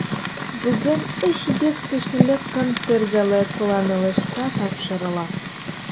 Бүген 300 кешелек концерт залы кулланылышка тапшырыла.